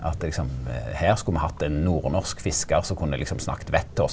at liksom her skulle me hatt ein nordnorsk fiskar som kunne liksom snakka vett til oss.